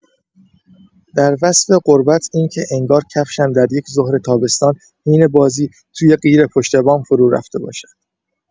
در وصف غربت اینکه انگار کفشم در یک ظهر تابستان، حین بازی، توی قیر پشت‌بام فرورفته باشد.